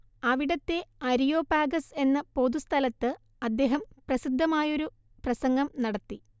അവിടത്തെ അരിയോപാഗസ് എന്ന പൊതുസ്ഥലത്ത് അദ്ദേഹം പ്രസിദ്ധമായൊരു പ്രസംഗം നടത്തി